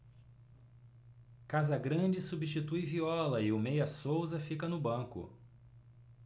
casagrande substitui viola e o meia souza fica no banco